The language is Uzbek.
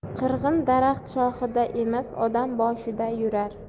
qirg'in daraxt shoxida emas odam boshida yurar